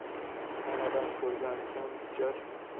onadan ko'rgan to'n bichar